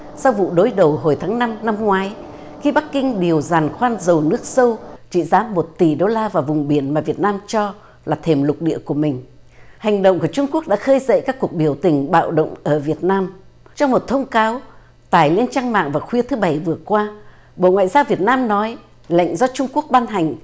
sau vụ đối đầu hồi tháng năm năm ngoái khi bắc kinh điều giàn khoan dầu nước sâu trị giá một tỷ đô la và vùng biển mà việt nam cho là thềm lục địa của mình hành động của trung quốc đã khơi dậy các cuộc biểu tình bạo động ở việt nam trong một thông cáo tải lên trang mạng và khuya thứ bảy vừa qua bộ ngoại giao việt nam nói lệnh do trung quốc ban hành